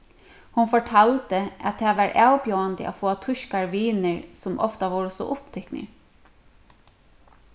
hon fortaldi at tað var avbjóðandi at fáa týskar vinir sum ofta vóru so upptiknir